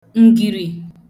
ǹgìrì